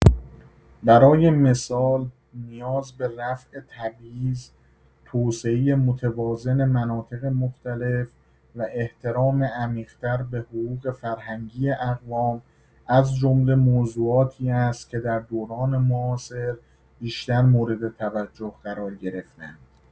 برای مثال نیاز به رفع تبعیض، توسعه متوازن مناطق مختلف، و احترام عمیق‌تر به حقوق فرهنگی اقوام از جمله موضوعاتی است که در دوران معاصر بیشتر مورد توجه قرار گرفته‌اند.